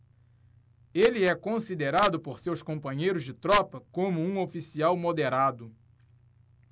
ele é considerado por seus companheiros de tropa como um oficial moderado